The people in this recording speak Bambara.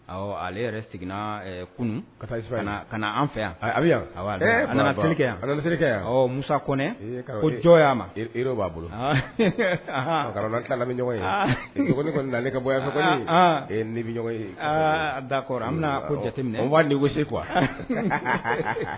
Ɔ ale seginna kun ka an fɛ yan a nana kɛ a kɛ musa kɔnɛ ko jɔn y'a ma b'a bolo a bɛ ɲɔgɔn ye kɔni ale ka bɔ bɛ ye aa' kɔrɔ an bɛna ko jateminɛ'a kose qu